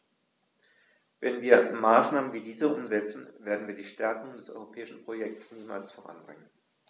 Wenn wir Maßnahmen wie diese umsetzen, werden wir die Stärkung des europäischen Projekts niemals voranbringen.